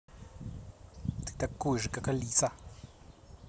ты такой же как алиса